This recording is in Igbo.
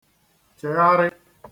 -chègharị